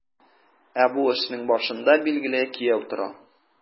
Ә бу эшнең башында, билгеле, кияү тора.